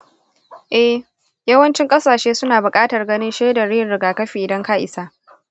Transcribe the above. eh, yawancin kasashe suna bukatar ganin shaidar yin rigakafi idan ka isa.